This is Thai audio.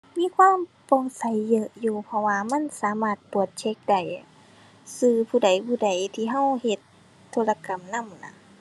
มีความโปร่งใสเยอะอยู่ เพราะว่ามันสามารถตรวจเช็กได้ ชื่อผู้ใดผู้ใดที่ชื่อเฮ็ดธุรกรรมนำน่ะ